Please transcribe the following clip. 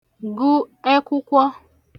gụ ẹkwụkwọ